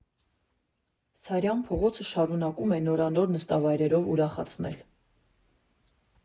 Սարյան փողոցը շարունակում է նորանոր նստավայրերով ուրախացնել։